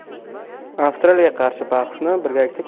avstraliyaga qarshi bahsni birgalikda